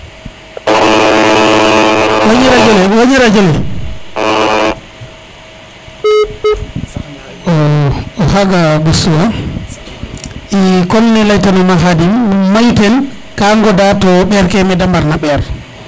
wañi radio le wañi radio le o o xaga ɓostuwa i comme ne leyta nona Khadim mayu ten ka ngoda to ɓeer ke mede mbarna ɓeer